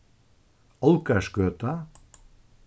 olgarsgøta